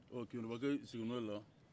ɔ keyorobakaw seginna o la